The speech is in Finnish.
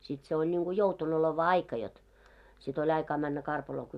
sitten se oli niin kuin jouten oleva aika jotta sitten oli aikaa mennä karpalona